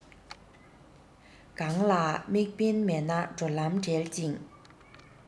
གང ལ དམིགས འབེན མེད ན འགྲོ ལམ བྲལ ཅིང